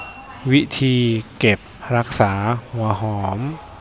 วิธีเก็บรักษาหัวหอม